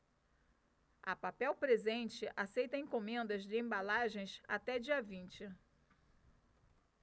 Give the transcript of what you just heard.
a papel presente aceita encomendas de embalagens até dia vinte